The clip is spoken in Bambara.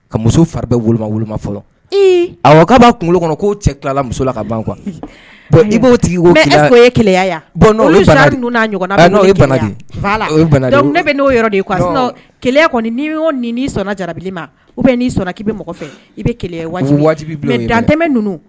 Ka muso fari bɛ wolo wolo fɔlɔ a'a kunkolo kɔnɔ k'o cɛla muso la ka ban kuwa i b'o tigi ko ye keya bɔn ɲɔgɔn bɛ n'o de sɔnna jara ma bɛ n sɔnna k'i bɛ fɛ i dantɛ ninnu